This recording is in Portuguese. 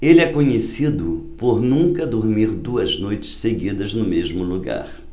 ele é conhecido por nunca dormir duas noites seguidas no mesmo lugar